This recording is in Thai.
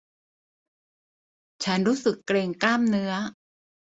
ฉันรู้สึกเกร็งกล้ามเนื้อ